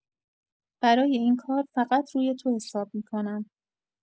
برای این کار فقط روی تو حساب می‌کنم.